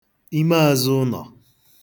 imeazụụnọ